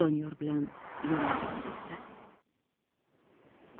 doniyor bilan yonma yon yotdi